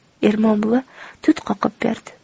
ermon buva tut qoqib berdi